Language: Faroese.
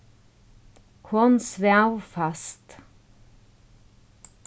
hon svav fast